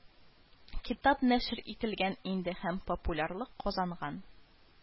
Китап нәшер ителгән инде һәм популярлык казанган